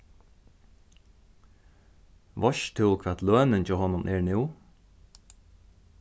veitst tú hvat lønin hjá honum er nú